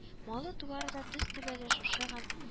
Малы-туары да төз түбәле шушы гам